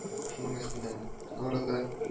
Шуның өстенә, нора да